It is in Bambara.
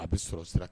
A bɛ sɔrɔ sira